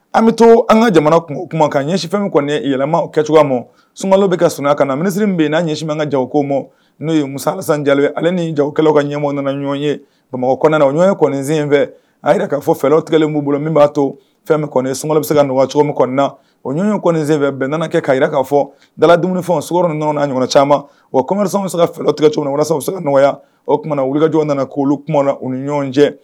An bɛ to an ka jamana o kuma ka ɲɛsinfɛn kɔni yɛlɛmamaw kɛ cogoya ma sunkalo bɛ ka s kan na minisiri bɛ yen n na ɲɛsin min ka ja ko ma n'o ye mu san ja ale ni jakɛlaw ka ɲɛmɔgɔ nana ɲɔgɔn ye bamakɔ kɔnɔna na o ɲɔgɔnye kɔni sen in fɛ a yɛrɛ k kaa fɔ fɛtigɛlen' bolo min b'a to fɛn kɔni sungɔ bɛ se ka cogo min kɔnɔna o ɲɔgɔnye senfɛ bɛn nana kɛ ka yɛrɛ jira k'a fɔ dala dumuniw sɔrɔn na ɲɔgɔn caman wa kɔmisa ka fɛlotigɛcogo na walasa se ka nɔgɔyaya o tumaumana na wulikajɔ nana k' oluoluk na u ni ɲɔgɔn cɛ